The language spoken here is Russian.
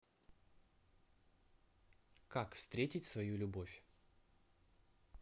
как встретить свою любовь